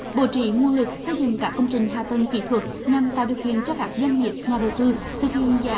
bố trí nguồn lực xây dựng các công trình hạ tầng kỹ thuật nhằm tạo điều kiện cho các doanh nghiệp nhà đầu tư thực hiện dự án